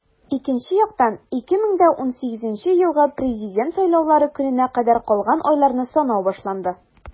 Икенче яктан - 2018 елгы Президент сайлаулары көненә кадәр калган айларны санау башланды.